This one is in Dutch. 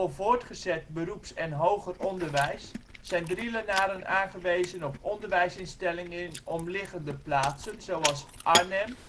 voortgezet -, beroeps - en hoger onderwijs zijn Drielenaren aangewezen op onderwijsinstellingen in omringende plaatsen zoals Arnhem